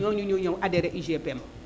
ñooñu ñoo ñëw adhéré UGPM